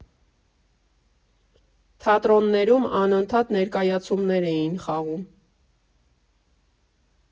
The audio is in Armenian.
Թատրոններում անընդհատ ներկայացումներ էին խաղում։